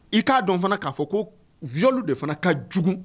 I k'a dɔn fana k'a fɔ ko vyli de fana ka jugu